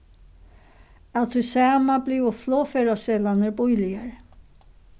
av tí sama blivu flogferðaseðlarnir bíligari